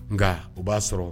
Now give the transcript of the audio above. Nka o b'a sɔrɔ